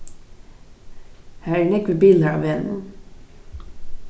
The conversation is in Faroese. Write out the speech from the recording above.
har eru nógvir bilar á vegnum